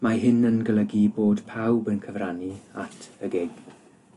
Mae hyn yn golygu bod pawb yn cyfrannu at y GIG